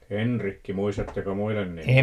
Henrikki muistatteko muiden nimiä